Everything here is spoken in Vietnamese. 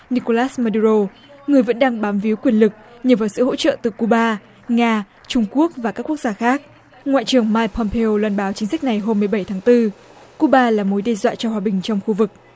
ni cô lát ma đu rô người vẫn đang bám víu quyền lực nhờ vào sự hỗ trợ từ cu ba nga trung quốc và các quốc gia khác ngoại trưởng mai pôm peo loan báo chính sách này hôm mười bảy tháng tư cu ba là mối đe dọa cho hòa bình trong khu vực